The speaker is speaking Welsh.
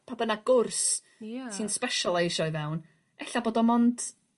pa bynag gwrs... Ia. ...ti'n sbesialeisio i fewn ella bod o mond